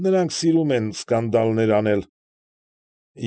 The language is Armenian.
Նրանք սիրում են սկանդալներ անել։